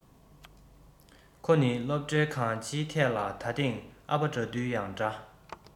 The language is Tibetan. ཁོ ནི སློབ གྲྭའི གང སྤྱིའི ཐད ལ ད ཐེངས ཨ ཕ དགྲ འདུལ ཡང འདྲ